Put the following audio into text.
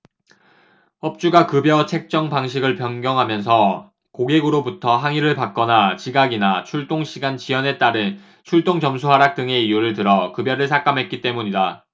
업주가 급여 책정 방식을 변경하면서 고객으로부터 항의를 받거나 지각이나 출동 시간 지연에 따른 출동점수 하락 등의 이유를 들어 급여를 삭감했기 때문이다